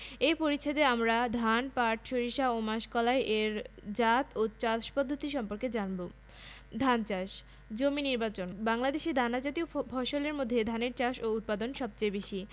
শীষের ধান পেকে গেলেও গাছ সবুজ থাকে গাছ খাটো ও হেলে পড়ে না পোকা ও রোগের আক্রমণ কম হয় অধিক কুশি গজায় সার গ্রহণক্ষমতা অধিক এবং ফলন বেশি